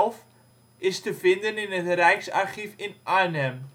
te vinden in het Rijksarchief in Arnhem